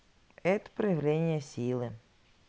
это проявление силы